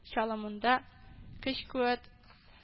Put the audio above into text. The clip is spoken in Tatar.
Чалымында көч-куәт